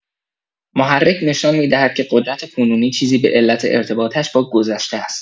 محرک نشان می‌دهد که قدرت کنونی چیزی به‌علت ارتباطش با گذشته است.